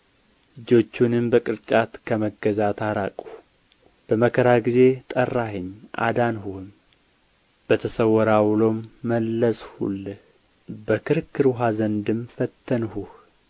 እጆቹንም በቅርጫት ከመገዛት አራቅሁ በመከራህ ጊዜ ጠራኸኝ አዳንሁህም በተሰወረ ዐውሎም መለስሁልህ በክርክር ውኃ ዘንድም ፈተንሁህ